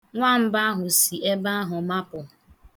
Nwamba ahụ si ebe ahụ mapụ.